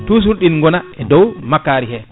toujours ɗin gona e dow makkari he